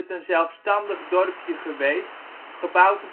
een zelfstandig dorpje geweest, gebouwd